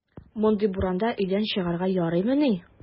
Мондый буранда өйдән чыгарга ярыймыни!